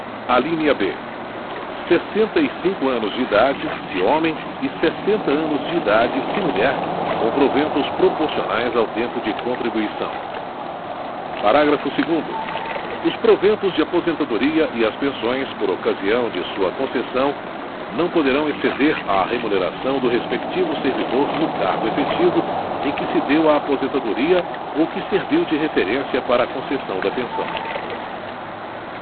alínea b sessenta e cinco anos de idade se homem e sessenta anos de idade se mulher com proventos proporcionais ao tempo de contribuição parágrafo segundo os proventos de aposentadoria e as pensões por ocasião de sua concessão não poderão exceder a remuneração do respectivo servidor no cargo efetivo em que se deu a aposentadoria ou que serviu de referência para a concessão da pensão